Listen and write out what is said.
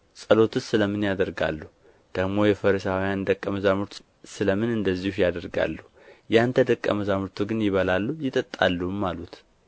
ጸሎትስ ስለ ምን ያደርጋሉ ደግሞም የፈሪሳውያን ደቀ መዛሙርት ስለ ምን እንደዚሁ ያደርጋሉ የአንተ ደቀ መዛሙርት ግን ይበላሉ ይጠጣሉም አሉት